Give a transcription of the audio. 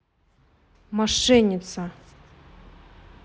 мошенница